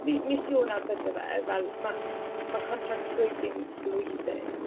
mi- mis Ionawr bydde fe fel ma'... m-hm. ...tibod ma' contract swydd fi'n flwyddyn.